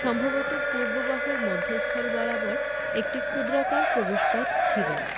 জন্য ব্যবহূত হতো উত্তরদিকে প্রধান তোরণ ছাড়াও এ বাহুর পূর্ব অংশে অপর একটি অপ্রশস্ত আয়তাকার প্রবেশপথ ছিল